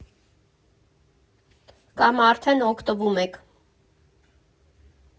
Կամ արդեն օգտվում եք։